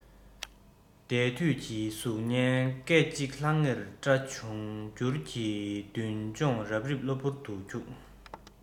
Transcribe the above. འདས དུས ཀྱི གཟུགས བརྙན སྐད ཅིག ལྷང ངེར བཀྲ འབྱུང འགྱུར གྱི མདུན ལྗོངས རབ རིབ གློ བུར འཁྱུགས